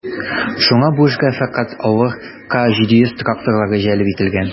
Шуңа бу эшкә фәкать авыр К-700 тракторлары җәлеп ителгән.